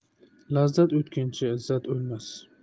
lazzat o'tkinchi izzat o'lmas